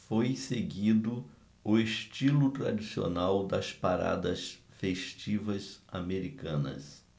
foi seguido o estilo tradicional das paradas festivas americanas